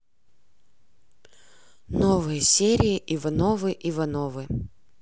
новые серии ивановы ивановы